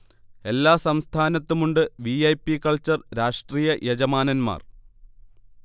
എല്ലാ സംസ്ഥാനത്തുമുണ്ട് V. I. P. Culture രാഷ്ട്രീയ യജമാനൻമാർ